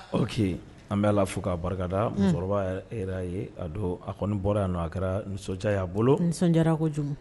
O que an bɛ la fo k'a barikada musokɔrɔbaa ye a don a kɔni bɔra a kɛra nisɔndiya y'a bolo nisɔn kojugu